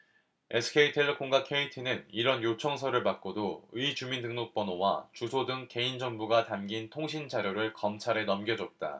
에스케이텔레콤과 케이티는 이런 요청서를 받고도 의 주민등록번호와 주소 등 개인정보가 담긴 통신자료를 검찰에 넘겨줬다